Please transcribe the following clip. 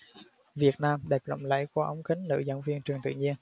việt nam đẹp lộng lẫy qua ống kính nữ giảng viên trường tự nhiên